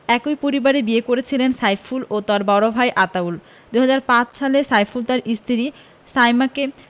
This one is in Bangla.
একই পরিবারে বিয়ে করেছিলেন সাইফুল ও তাঁর বড় ভাই আতাউল ২০০৫ সালে সাইফুল তাঁর স্ত্রী সায়মাকে